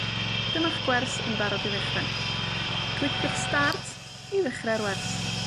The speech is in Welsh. Dyma'ch gwers yn barod i ddechrau. Cliciwch Start i ddechre'r wers.